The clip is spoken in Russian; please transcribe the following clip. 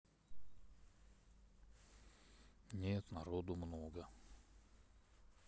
нет народу много